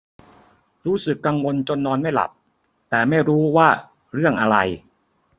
รู้สึกกังวลจนนอนไม่หลับแต่ไม่รู้ว่าเรื่องอะไร